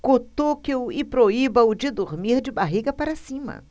cutuque-o e proíba-o de dormir de barriga para cima